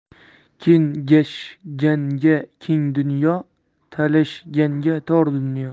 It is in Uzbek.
kengashganga keng dunyo talashganga tor dunyo